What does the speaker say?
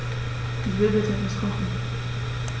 Ich will bitte etwas kochen.